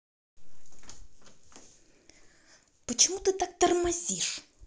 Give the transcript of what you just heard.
почему ты так тормозишь